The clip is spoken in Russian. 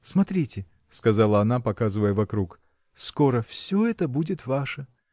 смотрите, – сказала она, показывая вокруг, – скоро все это будет ваше.